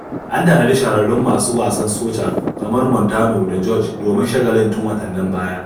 An tanadi shahararrun masu wasan soca kamar Montano da George domin shagalin tun watannin baya.